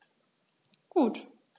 Gut.